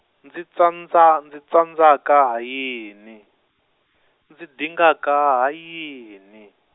ndzi tsandza- tsandzaka ha yini, ndzi dingaka ha yini?